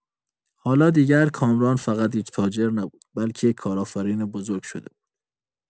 حالا دیگر کامران فقط یک تاجر نبود، بلکه یک کارآفرین بزرگ شده بود.